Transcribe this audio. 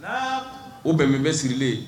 O bɛnbɛn bɛ sigilen